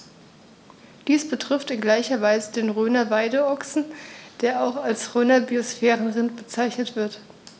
Dies betrifft in gleicher Weise den Rhöner Weideochsen, der auch als Rhöner Biosphärenrind bezeichnet wird.